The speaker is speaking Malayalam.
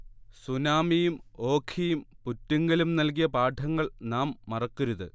സുനാമിയും, ഓഖിയും, പുറ്റിങ്ങലും നൽകിയ പാഠങ്ങൾ നാം മറക്കരുത്